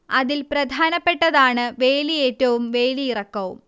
അതിൽ പ്രധാനപ്പെട്ടതാണ് വേലിയേറ്റവും വേലിയിറക്കവും